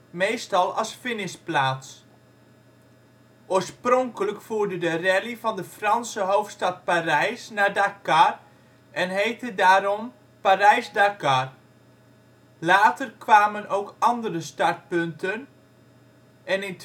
meestal als finishplaats. Oorspronkelijk voerde de rally van de Franse hoofdstad Parijs naar Dakar, en heette daarom Parijs-Dakar. Later kwamen ook andere startpunten, en in